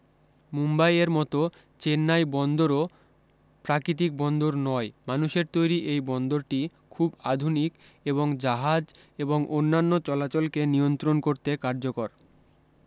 মুম্বাইএর মত চেন্নাই বন্দরও প্রাকৃতিক বন্দর নয় মানুষের তৈরী এই বন্দরটি খুব আধুনিক এবং জাহাজ এবং অন্যান্য চলাচলকে নিয়ন্ত্রণ করতে কার্যকর